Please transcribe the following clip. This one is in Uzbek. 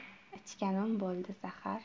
ichganim bo'ldi zahar